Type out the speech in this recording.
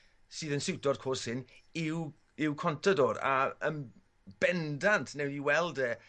sydd yn siwto'r cwrs hyn yw yw Contador a yn bendant newn ni weld e